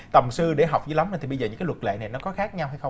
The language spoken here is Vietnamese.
tầm sư để học dữ lắm thì bây giờ những cái luật lệ này nó có khác nhau hay không